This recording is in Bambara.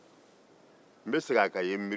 n bɛ segin a kan i ye